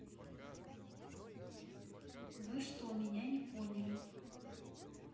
вы что меня не поняли